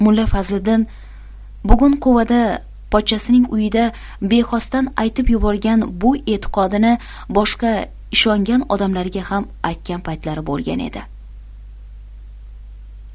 mulla fazliddin bugun quvada pochchasining uyida bexosdan aytib yuborgan bu e'tiqodini boshqa ishongan odamlariga ham aytgan paytlari bo'lgan edi